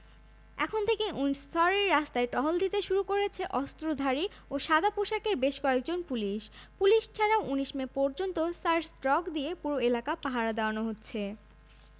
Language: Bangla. প্রধানমন্ত্রী থেরেসা মে এখন পর্যন্ত কোনো দাওয়াতপত্র পাননি বিয়ের কার্ডের নকশা প্রিন্স হ্যারি ও মেগান মার্কেলের আমন্ত্রণপত্র নকশা করছে লন্ডনের বিখ্যাত বার্নার্ড অ্যান্ড